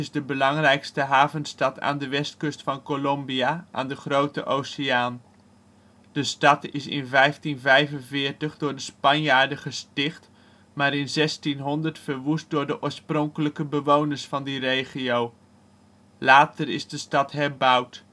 de belangrijkste havenstad aan de west kust van Colombia, aan de Grote Oceaan. De stad is in 1545 door de Spanjaarden gesticht maar in 1600 verwoest door de oorspronkelijke bewoners van die regio. Later is de stad herbouwd